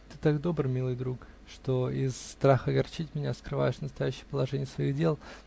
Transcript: Ты так добр, милый друг, что из страха огорчить меня скрываешь настоящее положение своих дел